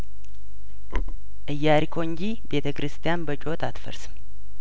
ኢያሪኮ እንጂ ቤተ ክርስቲያን በጩኸት አትፈርስም